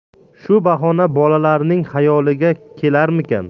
shu baxona bolalarning xayoliga kelarmikan